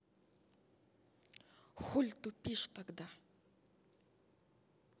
хуль тупишь тогда